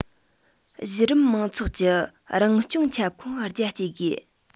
གཞི རིམ མང ཚོགས ཀྱི རང སྐྱོང ཁྱབ ཁོངས རྒྱ སྐྱེད དགོས